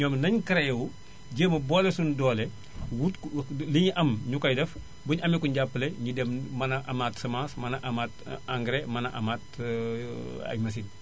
ñoom nañu créé wu jéem a boole suñu doole wut ku li ñu am ñu koy def buñu amee ku ñu jàppale ñu dem mën a amaat semence mën a amaat engrais mën a amaat ay machines